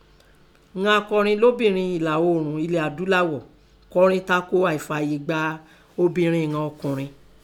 Ìnan akọrin lóbìrin elà Oòrùn elẹ̀ Adúláwọ̀ kọrin tako àìfààyè gba obìrin ìnọn ọkùnrin.